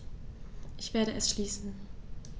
Ich werde es schließen.